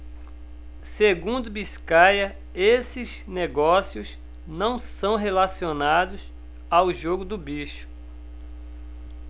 segundo biscaia esses negócios não são relacionados ao jogo do bicho